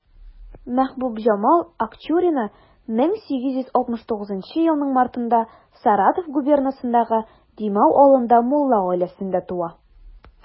Мәхбүбҗамал Акчурина 1869 елның мартында Саратов губернасындагы Димау авылында мулла гаиләсендә туа.